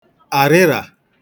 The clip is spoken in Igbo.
àrịrà